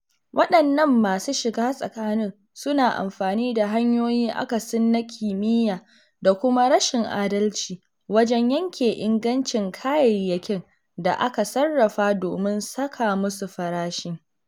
Waɗannan masu shiga tsakanin suna amfani da hanyoyi akasin na kimiyya da kuma rashin adalci wajen yanke ingancin kayayyakin da aka sarrafa domin saka musu farashi.